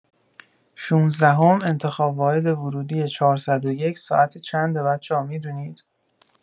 ۱۶ ام انتخاب واحد ورودی ۴۰۱ ساعت چنده بچه‌ها می‌دونید؟